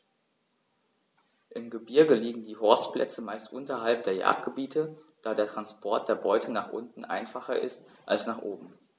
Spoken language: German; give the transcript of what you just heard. Im Gebirge liegen die Horstplätze meist unterhalb der Jagdgebiete, da der Transport der Beute nach unten einfacher ist als nach oben.